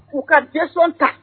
K'u ka dɛsɛson ta